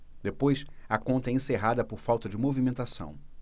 depois a conta é encerrada por falta de movimentação